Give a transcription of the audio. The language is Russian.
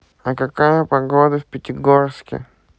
а какая погода в пятигорске